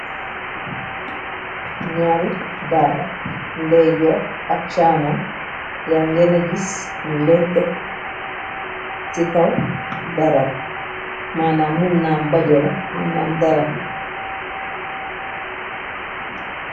ñaari daala ndey joo ak chaamon yàng leena gis ñu leen tekk ci kaw darab manam munnaam bajola munnaam darab yi